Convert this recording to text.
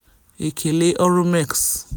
Ekele ọrụ MEX!